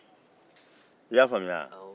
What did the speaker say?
i y'a faamuya wa